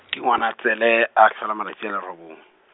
ke Ngwanatsele a tlhola malatsi a le robong.